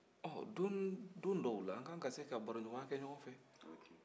don dɔw la an ka kan ka se ka baroɲɔgɔnya kɛ ɲɔgɔn fɛ